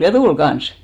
ja tuli kanssa